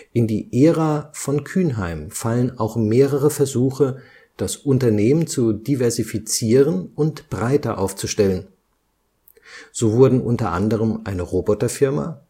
In die Ära von Kuenheim fallen auch mehrere Versuche, das Unternehmen zu diversifizieren und breiter aufzustellen. So wurden u. a. eine Roboterfirma